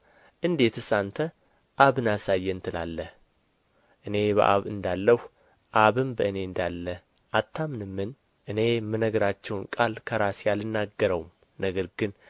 እንዴትስ አንተ አብን አሳየን ትላለህ እኔ በአብ እንዳለሁ አብም በእኔ እንዳለ አታምንምን እኔ የምነግራችሁን ቃል ከራሴ አልናገረውም ነገር ግን